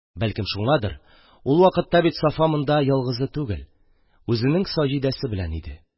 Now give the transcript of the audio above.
Бәлкем, шуңадыр: ул вакытта бит Сафа монда ялгызы түгел, үзенең Саҗидәсе белән иде.